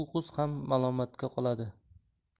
u qiz ham malomatga qoladi